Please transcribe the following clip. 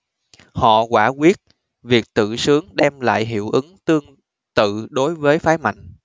họ quả quyết việc tự sướng đem lại hiệu ứng tương tự đối với phái mạnh